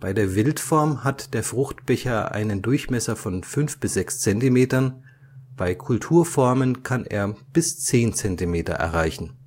der Wildform hat der Fruchtbecher einen Durchmesser von fünf bis sechs Zentimetern, bei Kulturformen kann er bis zehn Zentimeter erreichen